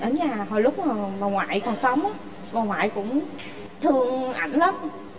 ở nhà hồi lúc mà bà ngoại còn sống bà ngoại cũng thương ảnh lắm